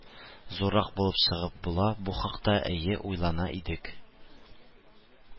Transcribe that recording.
Зуррак булып чыгып була – бу хакта, әйе, уйлана идек